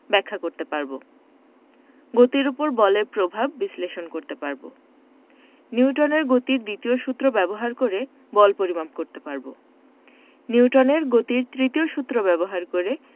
ব্যাখ্যা করতে পারব গতির উপর বলের প্রভাব বিশ্লেষণ করতে পারব নিউটনের গতির দ্বিতীয় সূত্র ব্যবহার করে বল পরিমাপ করতে পারব নিউটনের গতির তৃতীয় সূত্র ব্যবহার করে